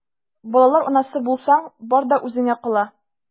Балалар анасы булсаң, бар да үзеңә кала...